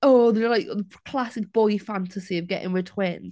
oh, you know like the classic boy fantasy of getting with twins.